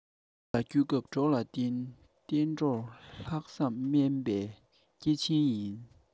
ཕྱི ལ སྐྱོད སྐབས གྲོགས ལ བརྟེན བསྟན འགྲོར ལྷག བསམ སྨན པའི སྐྱེ ཆེན ཡིན